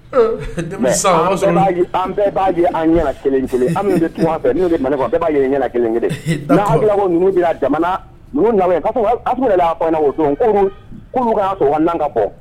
Ee depuis sisan, an bɛɛ b' an ye an ɲɛ na kelen kelen, an minnu bɛ tunga fɛ, minnu bɛ Mali kɔnɔ bɛɛ b'a y'i ɲɛ, kelen kelen tun' ko'a to'an ka bɔ